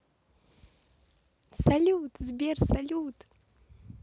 салют сбер салют